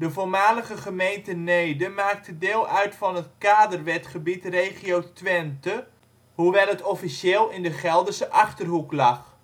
voormalige gemeente Neede maakte deel uit van het kaderwetgebied Regio Twente, hoewel het officieel in de Gelderse Achterhoek lag